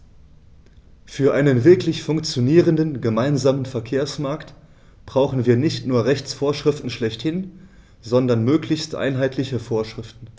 Für einen wirklich funktionierenden gemeinsamen Verkehrsmarkt brauchen wir nicht nur Rechtsvorschriften schlechthin, sondern möglichst einheitliche Vorschriften.